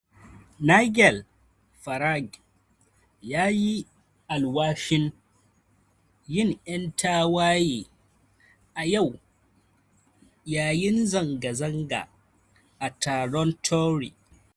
Nigel Farage ya yi alwashin yin 'yan tawaye a yau yayin zanga-zanga a taron Tory.